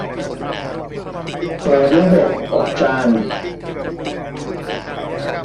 เปิดระบบอบจาน